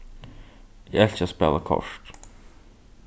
eg elski at spæla kort